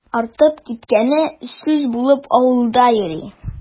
Артып киткәне сүз булып авылда йөри.